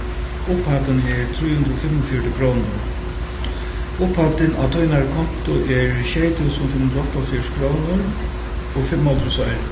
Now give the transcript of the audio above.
upphæddin er trý hundrað og fimmogfjøruti krónur upphæddin á tínari konto er sjey túsund fimm hundrað og áttaoghálvfjerðs krónur og fimmoghálvtrýss oyru